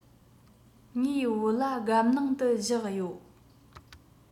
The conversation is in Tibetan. ངའི བོད ལྭ སྒམ ནང དུ བཞག ཡོད